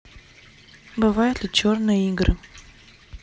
бывает ли черное игры